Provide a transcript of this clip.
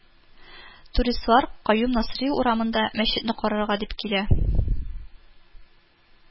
Туристлар Каюм Насыйри урамында мәчетне карарга дип килә